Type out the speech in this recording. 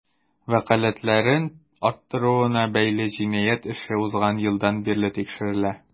Вәкаләтләрен арттыруына бәйле җинаять эше узган елдан бирле тикшерелә.